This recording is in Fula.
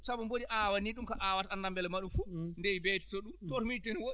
sabu mboɗi aawa ni ɗum ko o aawata anndaa mbele mo ɗum fuut beey ɓeytoto ɗum toon to miijete ene woɗɗi